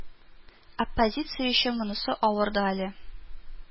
Оппозиция өчен монысы авыр да әле